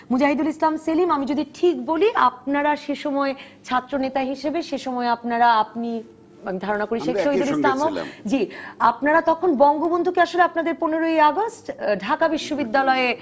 মুজাহিদুল ইসলাম সেলিম আমি যদি ঠিক বলি আপনারা সে সময় ছাত্রনেতা হিসেবে সে সময়ে আপনারা আপনি ধারণা করি শেখ শহিদুল ইসলাম ও আমরা একই সঙ্গে ছিলাম জি আপনারা তখন বঙ্গবন্ধুকে আসলে আপনাদের ১৫ ই আগস্ট ঢাকা বিশ্ববিদ্যালয় এ